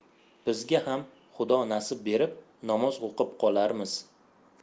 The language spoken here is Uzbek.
bizga ham xudo insof berib namoz o'qib qolarmiz